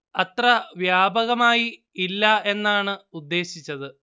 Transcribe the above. അത്ര വ്യാപകമായി ഇല്ല എന്നാണ് ഉദ്ദേശിച്ചത്